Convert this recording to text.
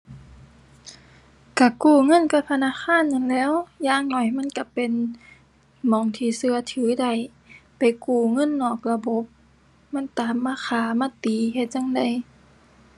ก็กู้เงินกับธนาคารนั้นแหล้ว อย่างน้อยมันก็เป็น หม้องที่ก็ถือได้ ไปกู้เงินนอกระบบ มันตามมาฆ่ามาตีเฮ็ดจั่งใด